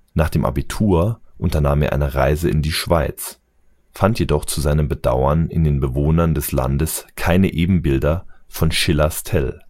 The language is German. Nach dem Abitur unternahm er eine Reise in die Schweiz, fand jedoch zu seinem Bedauern in den Bewohnern des Landes keine Ebenbilder von Schillers Tell